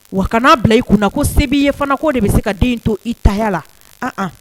Wa kana n'a bila i kunna na ko se b'i ye fana ko de bɛ se ka den to i ta la